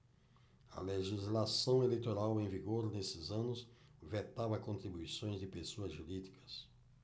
a legislação eleitoral em vigor nesses anos vetava contribuições de pessoas jurídicas